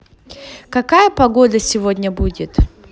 какая погода сегодня будет